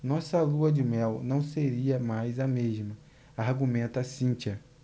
nossa lua-de-mel não seria mais a mesma argumenta cíntia